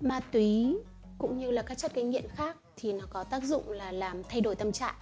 ma túy cũng như các loại chất gây nghiện khác thì nó có tác dụng làm thay đổi tâm trạng